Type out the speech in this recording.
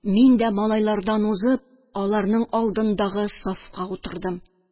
Мин дә, малайлардан узып, аларның алдындагы сафка утырдым.